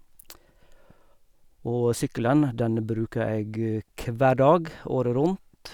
Og sykkelen, den bruker jeg hver dag, året rundt.